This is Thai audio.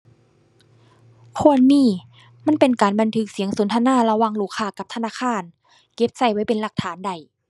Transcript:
ควรมี มันเป็นการบันทึกเสียงสนทนาระหว่างลูกค้ากับธนาคาร เก็บใช้ไว้เป็นหลักฐานได้